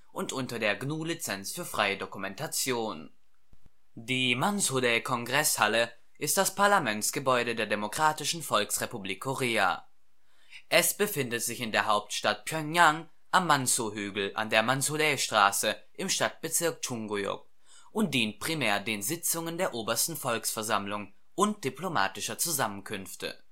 und unter der GNU Lizenz für freie Dokumentation. Mansudae Kongresshalle Die Mansudae-Kongresshalle ist das Parlamentsgebäude der Demokratischen Volksrepublik Korea. Es befindet sich in der Hauptstadt Pjöngjang am Mansu-Hügel an der Mansudae-Straße im Stadtbezirk Chung-guyŏk und dient primär den Sitzungen der Obersten Volksversammlung und diplomatischer Zusammenkünfte